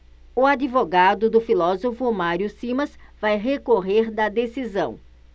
o advogado do filósofo mário simas vai recorrer da decisão